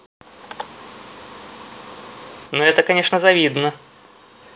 ну конечно завидно